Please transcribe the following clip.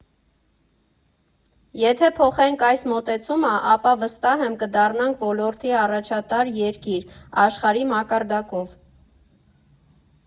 Եթե փոխենք այս մոտեցումը, ապա, վստահ եմ, կդառնանք ոլորտի առաջատար երկիր՝ աշխարհի մակարդակով։